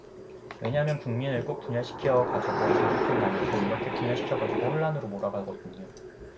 왜냐면 국민을 꼭 분열시켜가지고 자기 편 남의 편 이렇게 분열시켜가지고 혼란으로 몰아가거든요